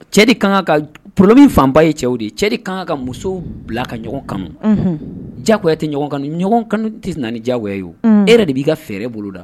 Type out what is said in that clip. Cɛ de kan ka poro min fanba ye cɛw de cɛ de ka kan ka muso bila ka ɲɔgɔn kanu jago tɛ ɲɔgɔn kan ɲɔgɔn kanu tɛ naani diya ye o e yɛrɛ de b'i ka fɛɛrɛ boloda